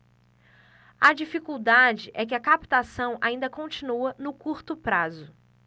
a dificuldade é que a captação ainda continua no curto prazo